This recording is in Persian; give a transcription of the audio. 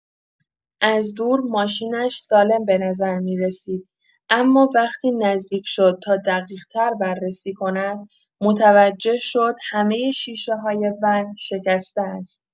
از دور ماشینش سالم به‌نظر می‌رسید، اما وقتی نزدیک شد تا دقیق‌تر بررسی کند، متوجه شد همه شیشه‌های ون شکسته است.